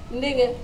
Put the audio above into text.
N denkɛ